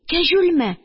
Кәҗүлме